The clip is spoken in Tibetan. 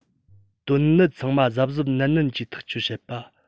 དོན གནད ཚང མ གཟབ གཟབ ནན ནན གྱིས ཐག གཅོད བྱེད པ